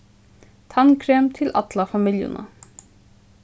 tannkrem til alla familjuna